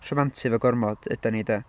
rhamantu fo gormod ydan ni de?